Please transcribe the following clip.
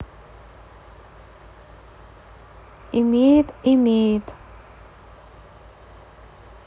имеет имеет